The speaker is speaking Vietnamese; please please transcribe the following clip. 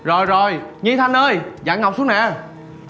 rồi rồi duy thanh ơi dạ ngọc hướng nè